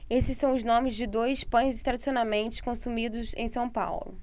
esses são os nomes de dois pães tradicionalmente consumidos em são paulo